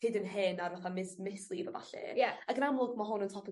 hyd yn hyn ar fatha mis- mislif a ballu. Ie. Ag yn amlwg ma' hwn yn topic